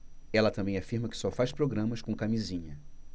ela também afirma que só faz programas com camisinha